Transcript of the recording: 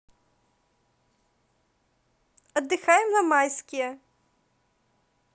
отдыхаем на майские